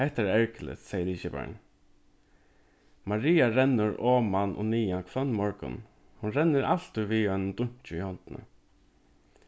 hetta er ergiligt segði liðskiparin maria rennur oman og niðan hvønn morgun hon rennur altíð við einum dunki í hondini